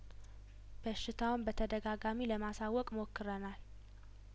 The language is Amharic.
በሽታውን በተደጋጋሚ ለማሳወቅ ሞክረናል